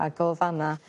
ag o fana